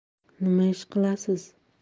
nima ish qilasiz